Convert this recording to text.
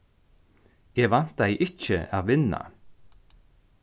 eg væntaði ikki at vinna